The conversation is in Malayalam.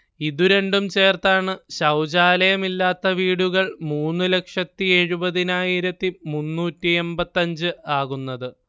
ഇതു രണ്ടും ചേർത്താണ് ശൗചാലയം ഇല്ലാത്ത വീടുകൾ മൂന്ന് ലക്ഷത്തി എഴുപത്തിനായിരത്തി മുന്നൂറ്റി എൺപത്തിയഞ്ച് ആകുന്നത്